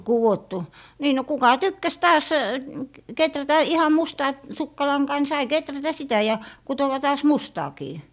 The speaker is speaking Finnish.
kudottu niin no kuka tykkäsi taas kehrätä ihan mustaa sukkalankaa niin sai kehrätä sitä ja kutoa taas mustaakin